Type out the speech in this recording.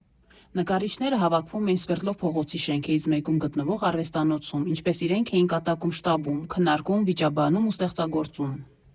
Նկարիչները հավաքվում էին Սվերդլով փողոցի շենքերից մեկում գտնվող արվեստանոցում, ինչպես իրենք էին կատակում՝ շտաբում, քննարկում, վիճաբանում ու ստեղծագործում։